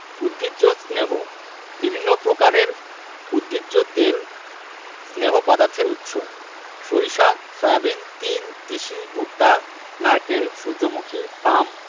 উদ্ভিজ্জ স্নেহ বিভিন্ন প্রকারের উদ্ভিজ তেল স্নেহ পদার্থের উৎস সরিষা সয়াবিন তিল তিসি ভুট্টা নারকেল সুর্যমুখী পাম